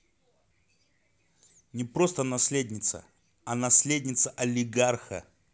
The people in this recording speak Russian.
не просто наследница а наследница олигарха